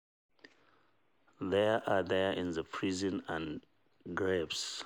THEY ARE THERE: IN PRISONS AND IN GRAVES.